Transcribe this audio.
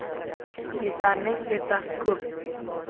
esarning ertasi ko'p